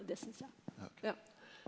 det syns jeg ja.